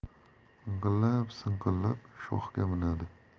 inqillab sinqillab shoxga minadi